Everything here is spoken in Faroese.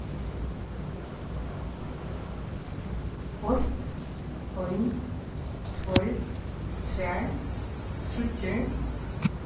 eitt ein tveir tvær tríggir